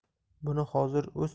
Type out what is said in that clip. buni hozir o'z